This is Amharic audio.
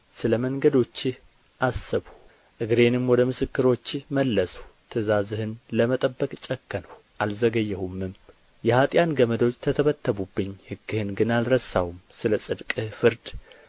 ስለ መንገዶችህ አሰብሁ እግሬንም ወደ ምስክሮችህ መለስሁ ትእዛዝህን ለመጠበቅ ጨከንሁ አልዘገየሁምም የኃጥኣን ገመዶች ተተበተቡብኝ ሕግህን ግን አልረሳሁም ስለ ጽድቅህ ፍርድ